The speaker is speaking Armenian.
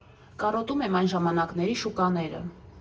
Կարոտում եմ այն ժամանակների շուկաները.